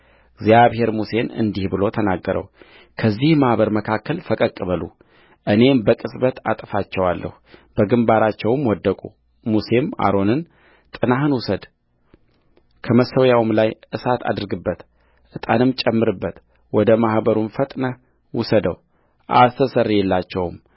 እግዚአብሔር ሙሴን እንዲህ ብሎ ተናገረውከዚህ ማኅበር መካከል ፈቀቅ በሉ እኔም በቅጽበት አጠፋቸዋለሁ በግምባራቸውም ወደቁሙሴም አሮንን ጥናህን ውሰድ ከመሠዊያውም ላይ እሳት አድርግበት ዕጣንም ጨምርበት ወደ ማኅበሩም ፈጥነህ ውሰደው አስተስርይላቸውም